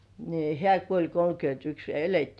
niin hän kuoli kolmekymmentäyksi ja elettiin